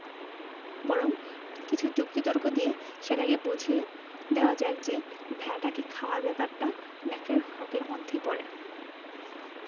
বরং কিছু যুক্তি তক্ক দিয়ে সেটাকে বুঝিয়ে দেওয়া যাক যে ভেড়াটাকে খাওয়ার ব্যাপারটা নেকড়ের হক এর মধ্যেই পড়ে